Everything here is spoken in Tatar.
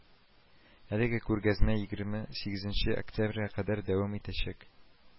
Әлеге күргәзмә егерме сигезенче октябрьгә кадәр дәвам итәчәк